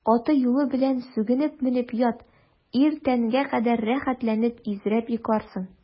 Аты-юлы белән сүгенеп менеп ят, иртәнгә кадәр рәхәтләнеп изрәп йокларсың.